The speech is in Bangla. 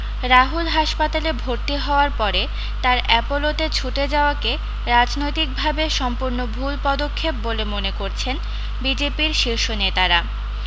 রাহুল হাসপাতালে ভর্তি হওয়ার পরে তার অ্যাপোলো তে ছুটে যাওয়াকে রাজনৈতিক ভাবে সম্পূর্ণ ভুল পদক্ষেপ বলে মনে করছেন বিজেপির শীর্ষ নেতারা